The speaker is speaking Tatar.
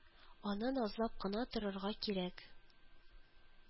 Аны назлап кына торырга кирәк